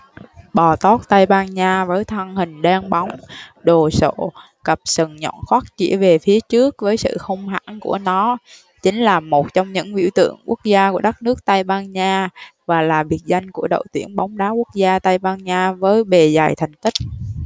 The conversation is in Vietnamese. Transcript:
bò tót tây ban nha với thân hình đen bóng đồ sộ cặp sừng nhọn hoắt chĩa về phía trước với sự hung hãn của nó chính là một trong những biểu tượng quốc gia của đất nước tây ban nha và là biệt danh của đội tuyển bóng đá quốc gia tây ban nha với bề dày thành tích